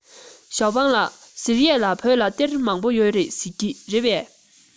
ཞའོ ཧྥུང ལགས ཟེར ཡས ལ བོད ལ གཏེར མང པོ ཡོད རེད ཟེར གྱིས རེད པས